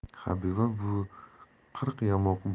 habiba buvi qirq yamoq